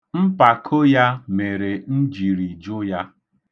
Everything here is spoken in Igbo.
Mpako ya mere m jiri jụ ya.